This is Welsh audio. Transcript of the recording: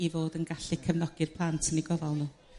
i fod yn gallu cefnogi'r plant yn 'u gofal nhw?